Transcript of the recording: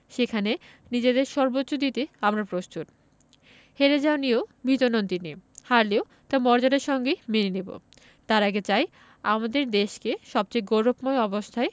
সেখানে নিজেদের সর্বোচ্চ দিতে আমরা প্রস্তুত হেরে যাওয়া নিয়েও ভীত নন তিনি হারলেও তা মর্যাদার সঙ্গেই মেনে নেব তার আগে চাই আমাদের দেশকে সবচেয়ে গৌরবময় অবস্থায়